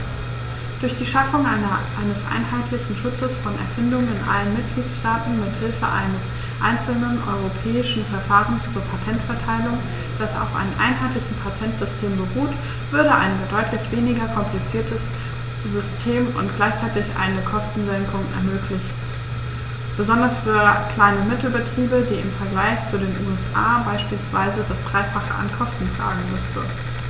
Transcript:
Durch die Schaffung eines einheitlichen Schutzes von Erfindungen in allen Mitgliedstaaten mit Hilfe eines einzelnen europäischen Verfahrens zur Patenterteilung, das auf einem einheitlichen Patentsystem beruht, würde ein deutlich weniger kompliziertes System und gleichzeitig eine Kostensenkung ermöglicht, besonders für Klein- und Mittelbetriebe, die im Vergleich zu den USA beispielsweise das dreifache an Kosten tragen müssen.